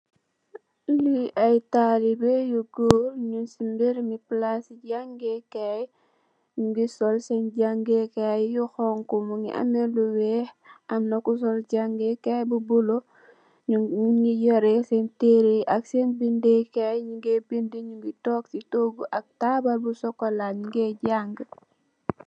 Lee aye talibeh yu goor nug se mereme plase jagekay nuge sol sen jangekay yu xonxo muge am lu weex amna ku sol jangekay bu bulo nuge yore sen tereh ye ak sen bede kaye nuge bede nuge tonke se toogu ak taabal bu sukola nuge jange.